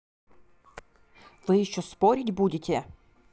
вы еще спорить будете